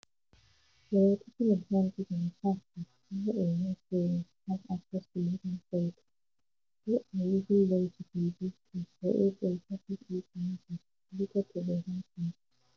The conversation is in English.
They are taking advantage of the fact that more and more Kenyans have access to mobile phones, who are using them to consume and create important information related to their health needs.